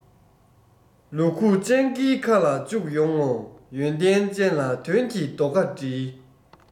ལུ གུ སྤྱང ཀིའི ཁ ལ བཅུག ཡོང ངོ ཡོན ཏན ཅན ལ དོན གྱི རྡོ ཁ སྒྲིལ